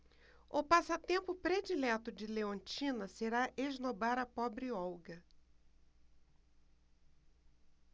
o passatempo predileto de leontina será esnobar a pobre olga